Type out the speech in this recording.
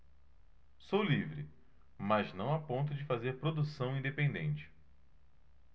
sou livre mas não a ponto de fazer produção independente